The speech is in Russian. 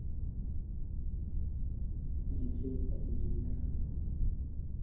диджей аллигейтор